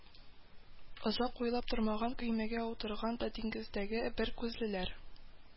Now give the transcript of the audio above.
Озак уйлап тормаган, көймәгә утырган да диңгездәге бер күзлеләр